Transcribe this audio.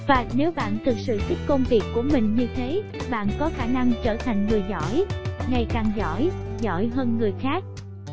và nếu bạn thực sự thích công việc của mình như thế bạn có khả năng trở thành giỏi ngày càng giỏi giỏi hơn người khác